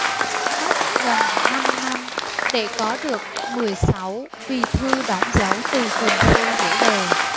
mất gần năm năm để có được mười sáu bì thư đóng dấu từ trường sa gửi về